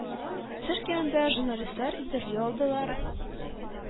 Цирк янында журналистлар интервью алдылар.